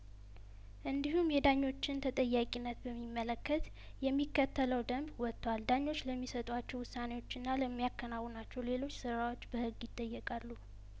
እንዲሁም የዳኞችን ተጠያቂነት በሚመለከት የሚከተለው ደንብ ወጥቷል ዳኞች ለሚሰጧቸው ውሳኔዎችና ለሚያከናውኗቸው ሌሎች ስራዎች በህግ ይጠየቃሉ